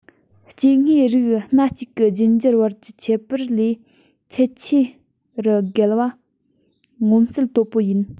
སྐྱེ དངོས རིགས སྣ གཅིག གི རྒྱུད འགྱུར བར གྱི ཁྱད པར ལས ཚད ཆེ རུ བརྒལ བ མངོན གསལ དོད པོ ཡིན